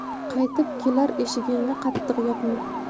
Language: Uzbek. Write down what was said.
qaytib kelar eshigingni qattiq yopma